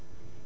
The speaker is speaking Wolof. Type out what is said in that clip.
di ko togg